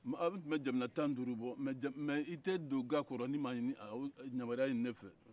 an tun bɛ jamana tan ni duuru bɔ mɛ i tɛ don ga kɔrɔ n'i ma yamaruya ɲini ne fɛ